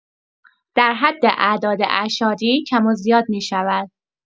در حد اعداد اعشاری، کم و زیاد می‌شود.